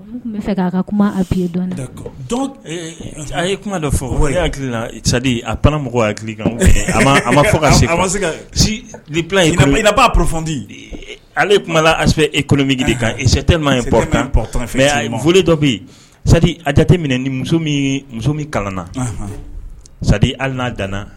Tun'a fɛ k'a ka kuma p a ye kuma dɔ fɔ hakili a mɔgɔ hakili kan a ma fɔ se ma se'a pdi ale kuma a e kolonmikili kan sɛte ye pfɛ foli dɔ bɛ yen sa a jatete minɛ ni muso muso min kalanna sadi ali n'a danana